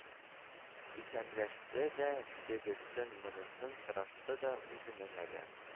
Исәнләште дә, тегесен-монысын сорашты да, үзенең әле